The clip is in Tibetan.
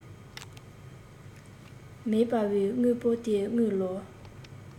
མེད པའི དངོས པོ དེ དངུལ ལོར